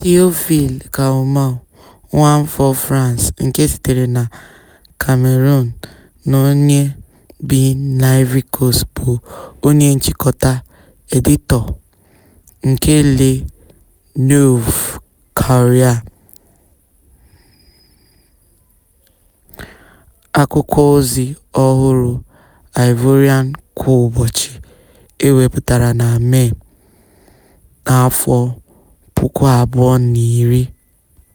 Théophile Kouamouo, nwaafọ France nke sitere na Cameroon na onye bi n'Ivory Coast, bụ onye Nchịkọta Editọ nke Le Nouveau Courrier, akwụkwọozi ọhụrụ Ivorian kwa ụbọchị e wepụtara na Mee 2010.